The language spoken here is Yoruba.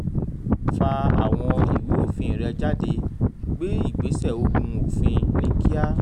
Fa àwọn ìwé òfin rẹ jáde: Gbe ìgbésẹ̀ ogun òfin ní kíá.